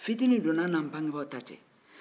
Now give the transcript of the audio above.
fitinin donna anw n'an bangebaaw ta cɛ